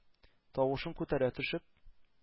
Тавышын күтәрә төшеп: